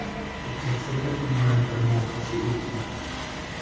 ukasini uylantirimoqchi ekan